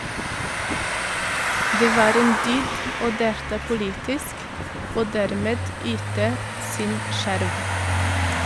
Det var en dyd å delta politisk og dermed yte sin skjerv.